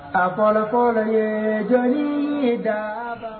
A fɔlɔ paulli ye jɔn da